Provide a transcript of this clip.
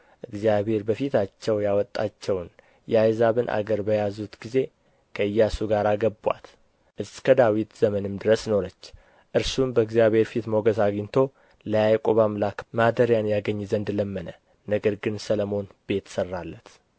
እግዚአብሔር በፊታቸው ያወጣቸውን የአሕዛብን አገር በያዙት ጊዜ ከኢያሱ ጋር አገቡአት እስከ ዳዊት ዘመንም ድረስ ኖረች እርሱም በእግዚአብሔር ፊት ሞገስ አግኝቶ ለያዕቆብ አምላክ ማደሪያን ያገኝ ዘንድ ለመነ ነገር ግን ሰሎሞን ቤት ሠራለት